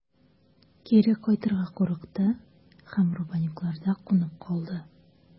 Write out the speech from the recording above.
Кире кайтырга курыкты һәм Рубанюкларда кунып калды.